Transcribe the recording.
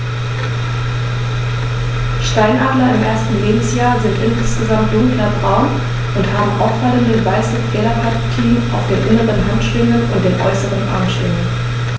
Steinadler im ersten Lebensjahr sind insgesamt dunkler braun und haben auffallende, weiße Federpartien auf den inneren Handschwingen und den äußeren Armschwingen.